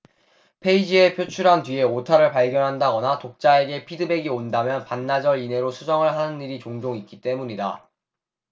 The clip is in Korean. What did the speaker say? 페이지에 표출한 뒤에 오타를 발견한다거나 독자에게 피드백이 온다면 반나절 이내로 수정을 하는 일이 종종 있기 때문이다